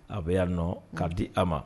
A bɛ ya nɔ ka di a ma.